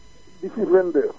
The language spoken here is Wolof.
18 22